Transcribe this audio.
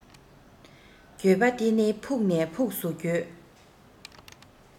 འགྱོད པ དེ ནི ཕུགས ནས ཕུགས སུ འགྱོད